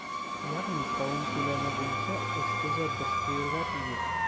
Ягъни савым күләме буенча өч кәҗә бер сыерга тигез.